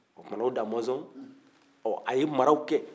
o tuma na o da mɔzɔn ɔ a ye maraw kɛ